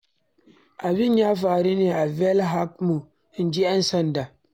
Abin ya faru ne a Ballyhackamore, inji 'yan sanda.